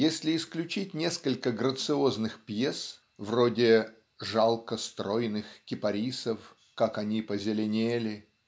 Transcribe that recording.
Если исключить несколько грациозных пьес (вроде "Жалко стройных кипарисов как они позеленели")